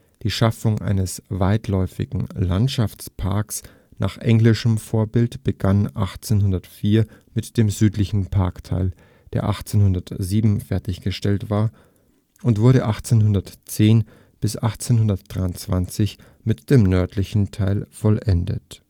Die Schaffung eines weitläufigen Landschaftsparks nach englischem Vorbild begann 1804 mit dem südlichen Parkteil, der 1807 fertiggestellt war, und wurde 1810 bis 1823 mit dem nördlichen Teil vollendet